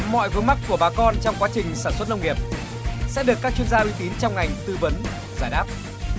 mọi vướng mắc của bà con trong quá trình sản xuất nông nghiệp sẽ được các chuyên gia uy tín trong ngành tư vấn giải đáp